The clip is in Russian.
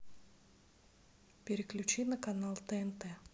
переключи на канал тнт